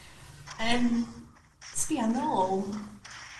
Yym. Sbïa nôl